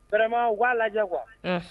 Bɛrɛma waa lajɛ kuwa